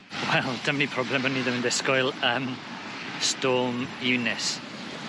Wel dyma ni problem o'n i ddim yn disgwyl yym Storm Unis.